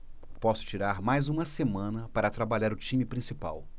posso tirar mais uma semana para trabalhar o time principal